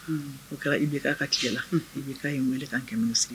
O kɛra I B K ka tile la, unhun, IBK ye u weele ka kɛnɛw sigi.